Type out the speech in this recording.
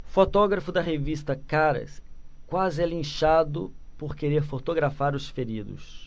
fotógrafo da revista caras quase é linchado por querer fotografar os feridos